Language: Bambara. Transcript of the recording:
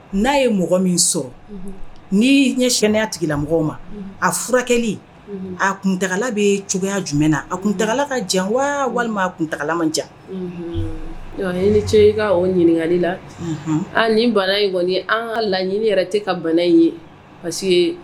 N'a ye mɔgɔ min sɔrɔ ni ye sɛnɛya tigila mɔgɔw ma a furakɛ a kuntaa tagala bɛ cogoyaya jumɛn na a kuntaala ka jan wa walima a kun tagala man ca ni ce i ka o ɲininkakali la aa nin bana in kɔni aa laɲini yɛrɛ tɛ ka bana in ye parce